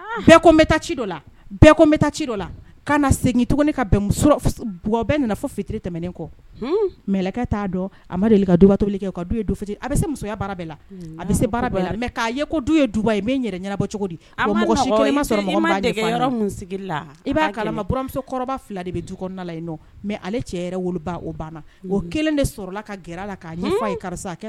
Fitiri tɛmɛnen kɔ t'a dɔn a ma deli ka dubali du a bɛ se musoya bɛɛ la a bɛ se bara bɛɛ la mɛ ye du ye duba ye min ɲɛna bɔ cogo di a i'a kalamuso fila de bɛ du la mɛ ale cɛ wolo o banna o kelen de sɔrɔla ka gɛrɛ la ye karisa